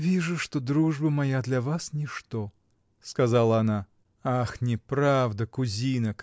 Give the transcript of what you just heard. — Вижу, что дружба моя для вас — ничто! — сказала она. — Ах, неправда, кузина!